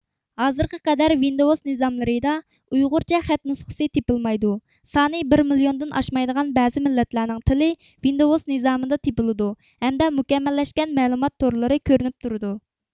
ھازىرغا قەدەر ۋىندوۋۇس نىزاملىرىدا ئۇيغۇرچە خەت نۇسخىسى تېپىلمايدۇ سانى بىر مىليوندىن ئاشمايدىغان بەزى مىللەتلەرنىڭ تىلى ۋىندوۋۇس نىزامىدا تېپىلىدۇ ھەمدە مۇكەممەللەشكەن مەلۇمات تورلىرى كۆرۈنۈپ تۇرىدۇ